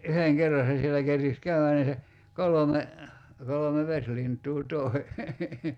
yhden kerran se siellä kerkisi käydä niin se kolme kolme vesilintua toi